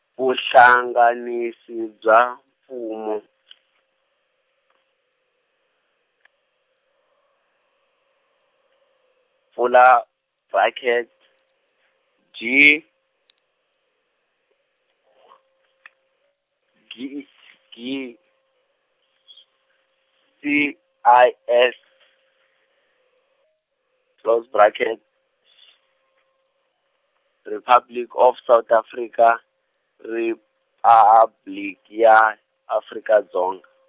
Vuhlanganisi bya Mpfumo , pfula bracket, G G G C I S , close bracket , Republic of South Africa, Ripabliki ya, Afrika Dzonga.